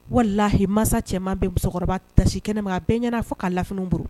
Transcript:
Walahi mansa cɛman bɛ musokɔrɔba tasi kɛnɛ ma a bɛn ɲɛna'a fɔ k'a lafiini b bolo